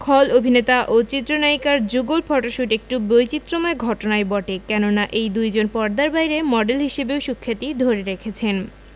খল অভিনেতা ও চিত্রনায়িকার যুগল ফটোশুট একটু বৈচিত্রময় ঘটনাই বটে কেননা এই দুইজন পর্দার বাইরে মডেল হিসেবেও সুখ্যাতি ধরে রেখেছেন